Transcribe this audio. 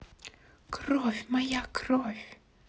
кровь моя кровь